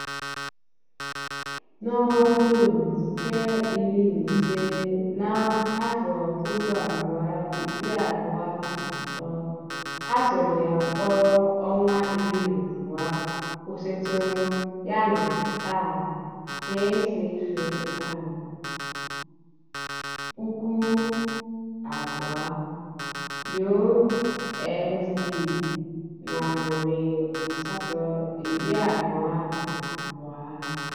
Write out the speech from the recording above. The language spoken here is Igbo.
Na June 15, 2023, a tụrụ ya mkpọrọ ọnwa iri na abụọ kwụsịtụrụ yana taa FCFA 200,000 (USD 322).